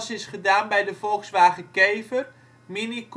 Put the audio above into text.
is gedaan bij de Volkswagen Kever, Mini